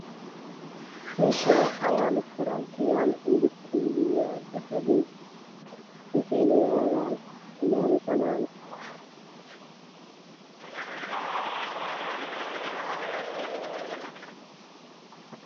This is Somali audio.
Meshaan waxa yaalo farantiyaal midabkoodu waa hab waxayna yaalaan meel banaan